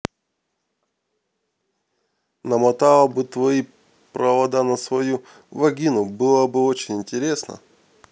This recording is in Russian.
намотала бы твои провода на свою вагину было бы очень интересно